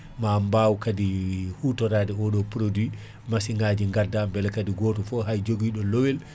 ma mbaaw kaadi hutorade oɗo produit massiŋaji gadda beele gooto foo hay jooguiɗo loowel